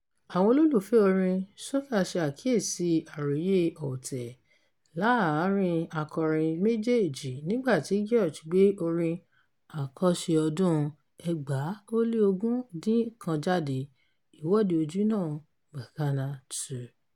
Àwọn olólùfẹ́ẹ orin Soca ṣe àkíyèsí àròyé ọ̀tẹ̀ láàárín-in akọrin méjèèjì nígbà tí George gbé orin àkọ́ṣe ọdún 2019 jáde, "Ìwọ́de Ojúná Bacchanal 2".